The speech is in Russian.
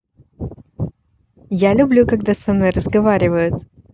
я люблю когда со мной разговаривают